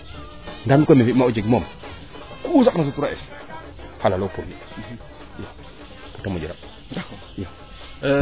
ndaa mikoy ne fi uuma o jeg koy ku saq na sutura es xalalo pour te moƴo ramb